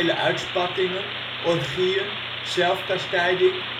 uitspattingen, orgieën, zelfverminking